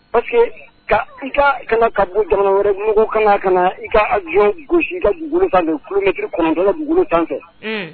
Parce que ka ika jamana wɛrɛ mɔgɔ kana i ka avion gosi i ka dugukolo san fɛ kilometres 9 i ka dugukolo san fɛ! unhun.